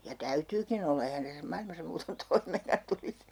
ja täytyykin olla eihän tässä maailmassa muuten toimeenkaan tulisi